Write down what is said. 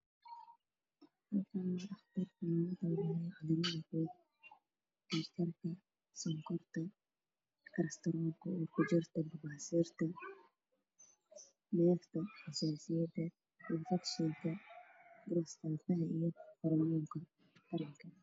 Meeshaan waxaa iga muuqda sawir xayisiin ah midabkiisa yahay group waa isbitaal ka waxay siinayo sida cudurrada